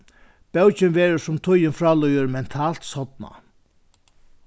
bókin verður sum tíðin frá líður mentalt sodnað